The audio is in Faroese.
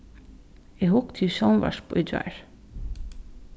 eg hugdi í sjónvarp í gjár